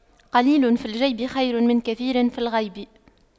قليل في الجيب خير من كثير في الغيب